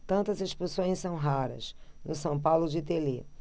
tantas expulsões são raras no são paulo de telê